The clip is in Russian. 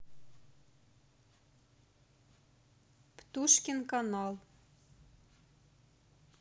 птушкин канал